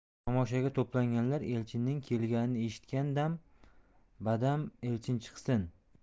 tamoshaga to'planganlar elchinning kelganini eshitgan dam badam elchin chiqsin